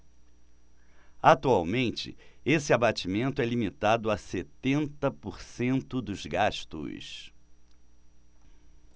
atualmente esse abatimento é limitado a setenta por cento dos gastos